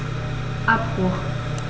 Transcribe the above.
Abbruch.